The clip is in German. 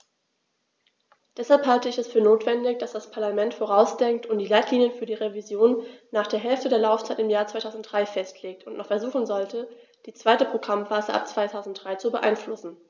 Deshalb halte ich es für notwendig, dass das Parlament vorausdenkt und die Leitlinien für die Revision nach der Hälfte der Laufzeit im Jahr 2003 festlegt und noch versuchen sollte, die zweite Programmphase ab 2003 zu beeinflussen.